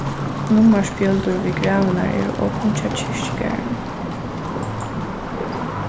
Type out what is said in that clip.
nummarspjøldur við gravirnar eru ogn hjá kirkjugarðinum